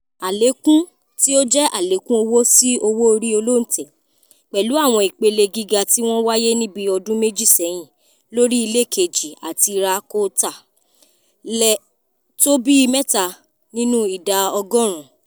Àlékún - tí ó jẹ́ àlékún owó sí owó orí olóǹtẹ̀, pẹ̀lú àwọn ìpele gíga tí wọ́n wáyé ní bí ọdún méjì ṣẹ́hìn lórí ilé kejì àti rà-kóo- tà - lẹ̀ tó bíi mẹ́ta nínú ìdá ọgọ́rùn ún.